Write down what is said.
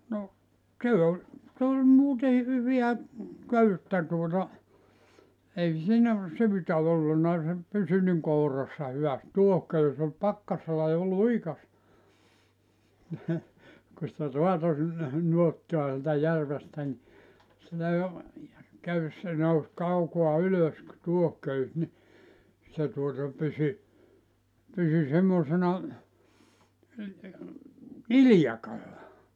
no se oli se oli muuten hyvää köyttä tuota ei siinä syytä ollut se pysyi niin kourassa hyvästi tuohiköysi oli pakkasella jo liukasta kun sitä raatoi sinne nuottaa sieltä järvestä niin sitä jo köysi se nousi kaukaa ylös tuohiköysi niin se tuota pysyi pysyi semmoisena iljakalla